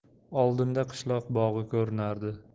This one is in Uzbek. oldinda qishloq bog'i ko'rinardi